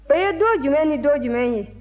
o ye don jumɛn ni don jumɛn ye